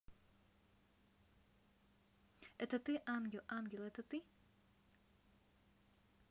это ты ангел ангел это то